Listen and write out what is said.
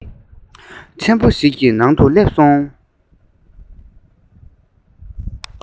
ཆེན པོ ཞིག གི ནང དུ སླེབས སོང